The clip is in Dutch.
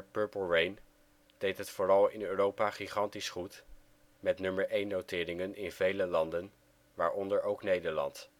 Purple Rain deed het vooral in Europa gigantisch goed met nummer-één-noteringen in vele landen, waaronder ook Nederland